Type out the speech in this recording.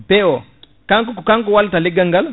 P o kanko ko kanko wallata leggal ngal